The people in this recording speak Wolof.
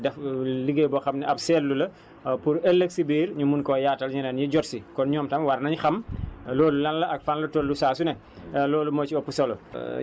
loo xam ne lii tam dañ koy def liggéey boo xam ne ab seetlu la pour ëllëg si biir ñu mun koo yaatal ñeneen ñi jot si kon ñoom tam war nañu xam loolu lan la ak fan la toll saa su ne